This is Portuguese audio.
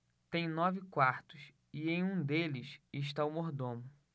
tem nove quartos e em um deles está o mordomo